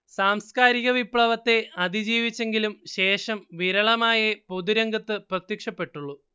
സാംസ്കാരിക വിപ്ലവത്തെ അതിജീവിച്ചെങ്കിലും ശേഷം വിരളമായെ പൊതുരംഗത്ത് പ്രത്യക്ഷപ്പെട്ടുള്ളൂ